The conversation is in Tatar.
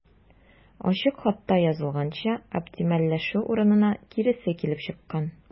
Ачык хатта язылганча, оптимальләшү урынына киресе килеп чыккан.